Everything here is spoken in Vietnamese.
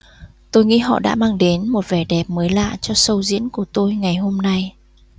tôi nghĩ họ đã mang đến một vẻ đẹp mới lạ cho show diễn của tôi ngày hôm nay